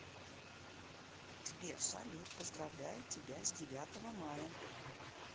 сбер салют поздравляю тебя с девятого мая